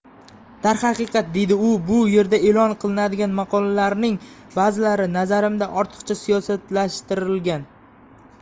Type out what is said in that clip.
darhaqiqat deydi u bu yerda e'lon qilinadigan maqolalarning ba'zilari nazarimda ortiqcha siyosiylashtirilgan